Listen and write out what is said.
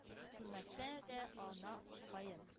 Күрмәсә дә, ана улкаен